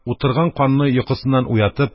Утырган канны йокысыннан уятып,